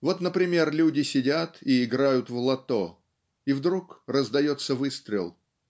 Вот, например, люди сидят и играют в лото, и вдруг раздается выстрел